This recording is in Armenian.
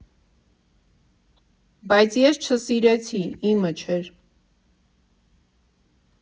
Բայց ես չսիրեցի, իմը չէր։